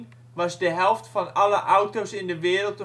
de helft van alle auto 's in de wereld